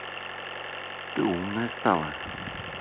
ты умная стала